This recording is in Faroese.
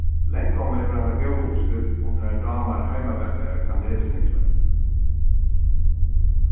langomma hevur eina góða uppskrift um tær dámar heimabakaðar kanelsniglar